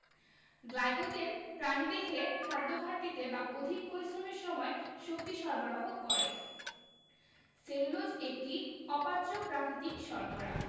glycogen প্রাণীদেহে খাদ্যঘাটতিতে বা অধিক পরিশ্রমের সময় শক্তি সরবরাহ করে সেলুলোজ একটি অপাচ্য প্রাকৃতিক শর্করা